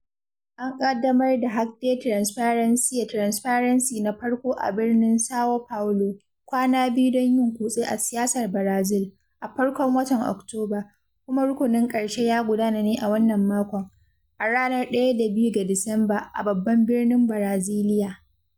An ƙaddamar da Hackday Transparência [Transparency] na farko a birnin São Paulo, “kwana biyu don yin kutse a siyasar Barazil”, a farkon watan Oktoba, kuma rukunin ƙarshe ya gudana ne a wannan makon, a ranar 1 da 2 ga Disamba, a babban birnin Baraziliya.